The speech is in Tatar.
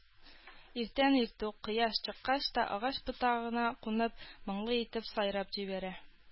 Иртән-иртүк, кояш чыккач та, агач ботагына кунып моңлы итеп сайрап җибәрә